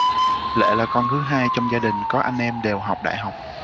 lệ là con thứ hai trong gia đình có anh em đều học đại học